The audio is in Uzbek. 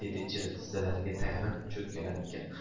dedi ichida tizzalariga tayanib cho'kkalar ekan